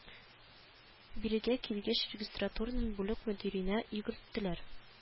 Бирегә килгәч регистратураның бүлек мөдиренә йөгерттеләр